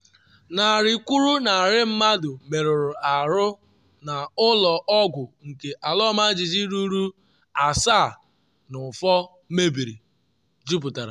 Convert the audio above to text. Narị kwụrụ narị mmadụ merụrụ ahụ na ụlọ ọgwụ nke ala ọmajiji ruru 7.5 mebiri, juputara.